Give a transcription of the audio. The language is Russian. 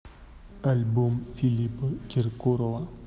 альбом филиппа киркорова